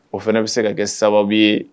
O fana bi se ka kɛ sababu ye